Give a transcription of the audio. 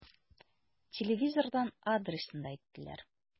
Телевизордан адресын да әйттеләр.